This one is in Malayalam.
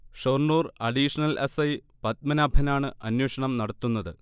Shoranur additional S. ഐ. പത്മനാഭനാണ് അന്വേഷണം നടത്തുന്നത്